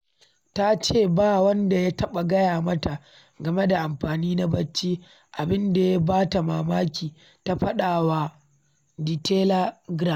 Ta ce ba wanda ya taɓa gaya mata game da amfani na barci - abin da ya ba ta mamaki,’ ta faɗa wa The Telegraph.